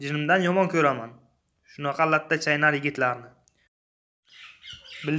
jinimdan yomon ko'raman shunaqa lattachaynar yigitlarni